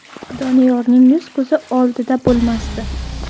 doniyorning yuz ko'zi oldida bo'lmasadi